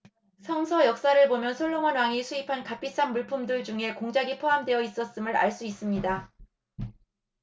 성서 역사를 보면 솔로몬 왕이 수입한 값비싼 물품들 중에 공작이 포함되어 있었음을 알 수 있습니다